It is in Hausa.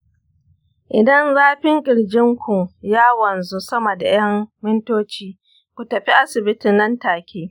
idan zafin ƙirjinku ya wanzu sama da ƴan mintoci, ku tafi asibiti nan-take